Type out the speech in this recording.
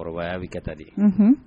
Kɔrɔbayaya bɛ ka taa de